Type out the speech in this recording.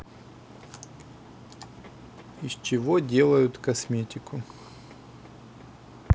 из чего делают косметику